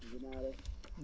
nuyu naa leen